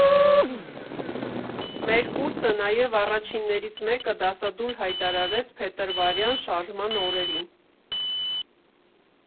Մեր կուրսը նաև առաջիններից մեկը դասադուլ հայտարարեց Փետրվարյան շարժման օրերին։